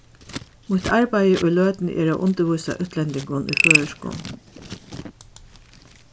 mítt arbeiði í løtuni er at undirvísa útlendingum í føroyskum